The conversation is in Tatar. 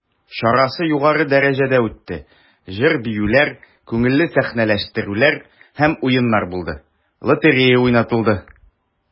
Чарасы югары дәрәҗәдә үтте, җыр-биюләр, күңелле сәхнәләштерүләр һәм уеннар булды, лотерея уйнатылды.